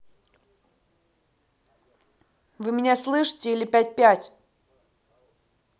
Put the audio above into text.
вы меня слышите или пять пять